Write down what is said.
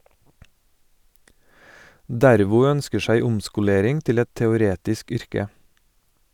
Dervo ønsker seg omskolering til et teoretisk yrke.